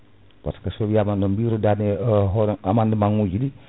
par :ce que so wiyama no biruɗani hono amendement uji ɗi